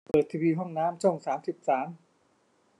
เปิดทีวีห้องน้ำช่องสามสิบสาม